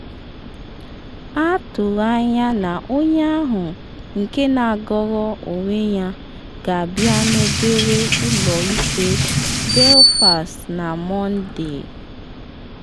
A tụrụ anya na onye ahụ nke na-agọrọ onwe ya ga-abịa n’obere ụlọ ikpe Belfast na Mọnde.